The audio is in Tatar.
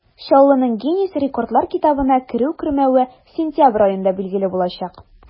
Чаллының Гиннес рекордлар китабына керү-кермәве сентябрь аенда билгеле булачак.